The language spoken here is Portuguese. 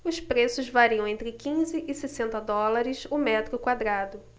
os preços variam entre quinze e sessenta dólares o metro quadrado